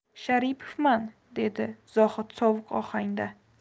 sharipovman dedi zohid sovuq ohangda